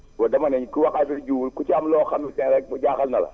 waaw dama ne ku wax affaire jiw ku ci am loo xamante ne rek jaaxal na la